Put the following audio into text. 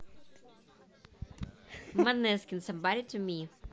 måneskin somebody to me